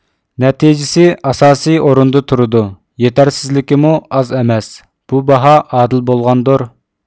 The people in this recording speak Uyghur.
نەتىجىسى ئاساسىي ئورۇندا تۇرىدۇ يېتەرسىزلىكىمۇ ئاز ئەمەس بۇ باھا ئادىل بولغاندۇر